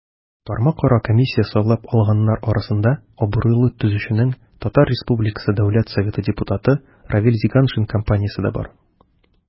Тармакара комиссия сайлап алганнар арасында абруйлы төзүченең, ТР Дәүләт Советы депутаты Равил Зиганшин компаниясе дә бар.